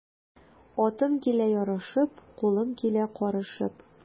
Атым килә ярашып, кулым килә карышып.